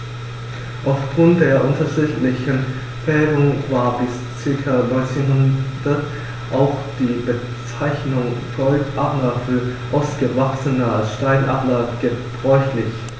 Auf Grund der unterschiedlichen Färbung war bis ca. 1900 auch die Bezeichnung Goldadler für ausgewachsene Steinadler gebräuchlich.